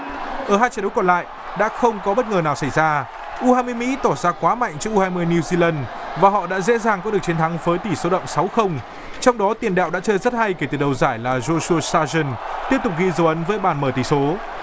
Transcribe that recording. ở hai trận đấu còn lại đã không có bất ngờ nào xảy ra u hai mươi mỹ tỏ ra quá mạnh trước u hai mươi niu di lân và họ đã dễ dàng có được chiến thắng với tỉ số đậm sáu không trong đó tiền đạo đã chơi rất hay kể từ đầu giải là su su sa sơn tiếp tục ghi dấu ấn với bàn mở tỷ số